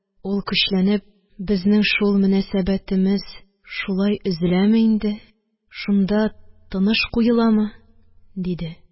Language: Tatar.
Ул, көчләнеп: – Безнең шул мөнәсәбәтемез шулай өзеләме инде... шунда тыныш куеламы? – диде.